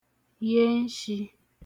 ye nshi